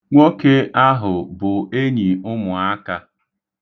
Nwoke ahụ bụ enyi ụmụaka.